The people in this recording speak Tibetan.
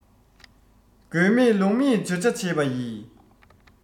དགོས མེད ལུགས མེད བརྗོད བྱ བྱེད པ ཡི